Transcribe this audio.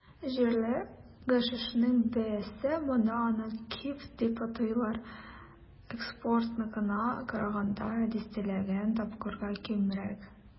Җирле гашишның бәясе - монда аны "киф" дип атыйлар - экспортныкына караганда дистәләгән тапкырга кимрәк.